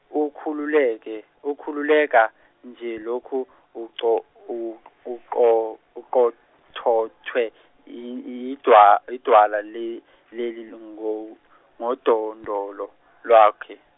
ukhuleka ukhuleka nje ulokhu eqo- u- eqo- eqongqotha i- idwa- idwala le- leli ngodondolo lwakhe.